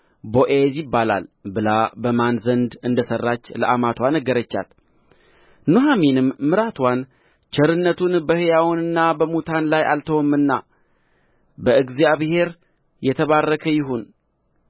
ቦዔዝ ይባላል ብላ በማን ዘንድ እንደ ሠራች ለአማትዋ ነገረቻት ኑኃሚንም ምራትዋን ቸርነቱን በሕያዋንና በሙታን ላይ አልተወምና በእግዚአብሔር የተባረከ ይሁን